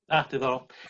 A diddorol.